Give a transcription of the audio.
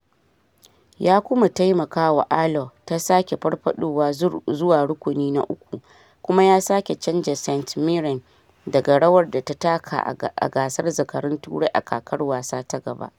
Ya kuma taimakawa Alloa ta sake farfadowa zuwa rukuni na uku, kuma ya sake canza St Mirren daga rawar da ta taka a gasar zakarun Turai a kakar wasa ta gaba.